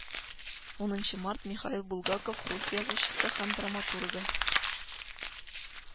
Унынчы март михаил булгаков, рус язучысы һәм драматургы